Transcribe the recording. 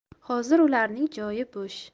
hozir ularning joyi bo'sh